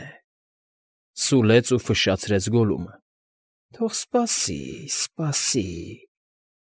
Է,֊ սուլեց ու ֆշշացրեց Գոլլումը։֊ Թող ս֊ս֊սպաս֊ս֊սի, ս֊ս֊սպաս֊ս֊ս֊ի։